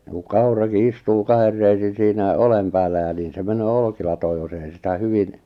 kun kaurakin istuu kahden reisin siinä oljen päällä ja niin se menee olkilatoon jos ei sitä hyvin